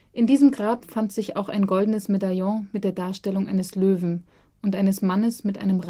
In diesem Grab fand sich auch ein goldenes Medaillon mit der Darstellung eines Löwen und eines Mannes mit einem